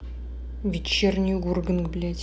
вечерний ургант блядь